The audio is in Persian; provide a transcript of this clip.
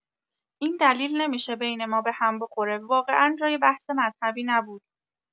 این دلیل نمی‌شه بین ما بهم بخوره واقعا جای بحث مذهبی نبود